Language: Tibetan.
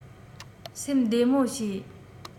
སེམས བདེ མོ བྱོས